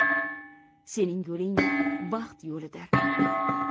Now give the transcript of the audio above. sening yo'ling baxt yo'lidir